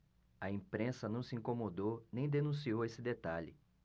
a imprensa não se incomodou nem denunciou esse detalhe